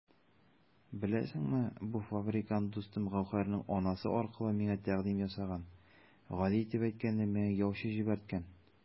Беләсеңме, бу фабрикант дустым Гәүһәрнең анасы аркылы миңа тәкъдим ясаган, гади итеп әйткәндә, миңа яучы җибәрткән!